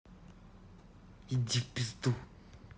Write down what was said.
иди в пизду